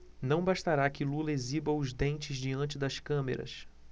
não bastará que lula exiba os dentes diante das câmeras